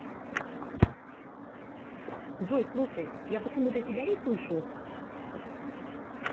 джой слушай я почему то тебя не слышу